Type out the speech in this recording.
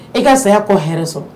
I ka saya kɔ hɛrɛɛ sɔrɔ